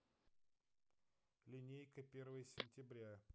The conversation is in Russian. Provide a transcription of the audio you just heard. линейка первое сентября